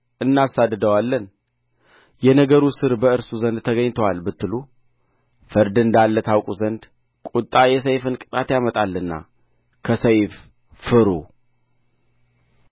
እናሳድደዋለን የነገሩ ሥር በእርሱ ዘንድ ተገኝቶአል ብትሉ ፍርድ እንዳለ ታውቁ ዘንድ ቍጣ የሰይፍን ቅጣት ያመጣልና ከሰይፍ ፍሩ